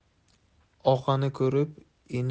og'ani ko'rib ini